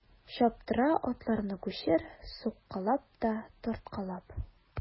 Чаптыра атларны кучер суккалап та тарткалап.